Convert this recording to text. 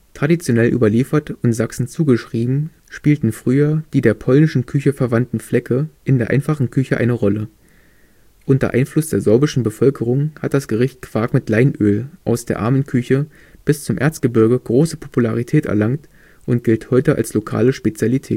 Traditionell überliefert und Sachsen zugeschrieben, spielten früher die der polnischen Küche verwandten Flecke in der einfachen Küche eine Rolle. Unter Einfluss der sorbischen Bevölkerung hat das Gericht Quark mit Leinöl aus der „ armen Küche “bis zum Erzgebirge große Popularität erlangt und gilt heute als lokale Spezialität